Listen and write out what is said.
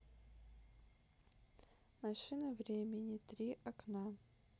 машина времени три окна